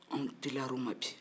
anw teliyara o ma bi